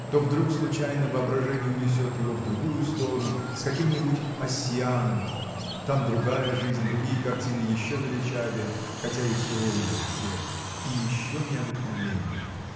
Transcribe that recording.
То вдруг случайно воображение унесет его в другую сторону, с каким-нибудь Оссианом: там другая жизнь, другие картины, еще величавее, хотя и суровее тех, и еще необыкновеннее.